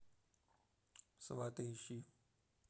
сваты ищи